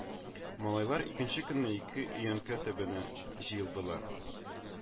Малайлар икенче көнне ике өянке төбенә җыелдылар